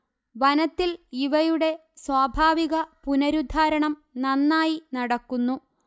വനത്തിൽ ഇവയുടെ സ്വാഭാവിക പുനരുദ്ധാരണം നന്നായി നടക്കുന്നു